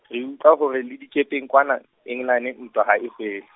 re utlwa hore le dikepeng kwana, Engelane, ntwa ha e fele.